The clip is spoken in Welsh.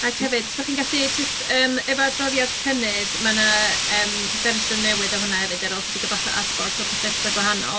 Ac hefyd 'sa chi'n gallu jyst yym efo adroddiad cynnydd ma' 'na yym fersiwn newydd o hwnna hefyd ar ôl ychydig o bach o adborth o prosiectau gwahanol.